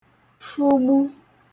fụgbu